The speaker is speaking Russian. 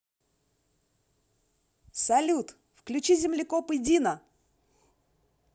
салют включи землекоп идина